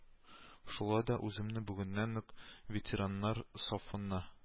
Шулай да үземне бүгеннән үк ветераннар сафына